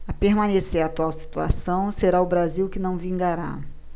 a permanecer a atual situação será o brasil que não vingará